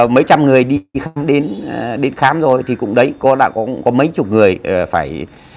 mấy trăm người đi đến đi khám rồi thì cũng đấy có đã có có mấy chục người ở phải